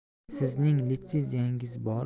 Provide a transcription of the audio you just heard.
sizning litsenziyangiz bormi